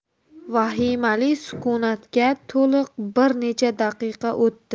vahimali sukunatga to'liq bir necha daqiqa o'tdi